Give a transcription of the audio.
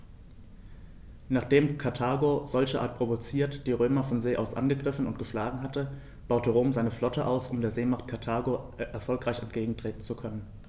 Nachdem Karthago, solcherart provoziert, die Römer von See aus angegriffen und geschlagen hatte, baute Rom seine Flotte aus, um der Seemacht Karthago erfolgreich entgegentreten zu können.